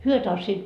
he tanssivat